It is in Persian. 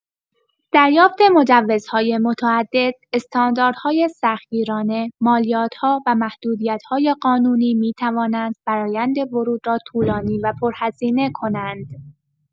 دریافت مجوزهای متعدد، استانداردهای سخت‌گیرانه، مالیات‌ها و محدودیت‌های قانونی می‌توانند فرآیند ورود را طولانی و پرهزینه کنند.